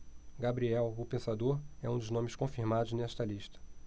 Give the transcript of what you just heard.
gabriel o pensador é um dos nomes confirmados nesta lista